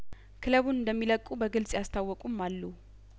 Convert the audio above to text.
ክለቡን እንደሚለቁ በግልጽ ያስታወቁም አሉ